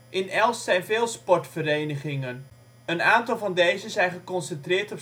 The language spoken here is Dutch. In Elst zijn veel sportverenigingen. Een aantal van deze zijn geconcentreerd